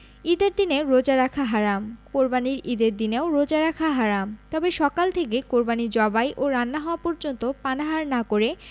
ঈদের দিনে রোজা রাখা হারাম কোরবানির ঈদের দিনেও রোজা রাখা হারাম তবে সকাল থেকে কোরবানি জবাই ও রান্না হওয়া পর্যন্ত পানাহার না করে